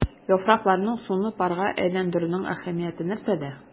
Яфракларның суны парга әйләндерүнең әһәмияте нәрсәдә?